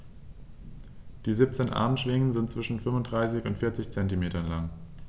Die 17 Armschwingen sind zwischen 35 und 40 cm lang.